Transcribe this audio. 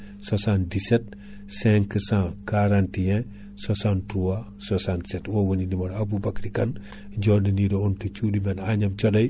77 541 63 67 o woni numéro Aboubacry Kane joɗaniɗo on to cuuɗi mon Agnam Thioday